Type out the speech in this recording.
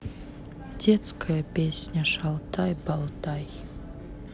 детская песня шалтай болтай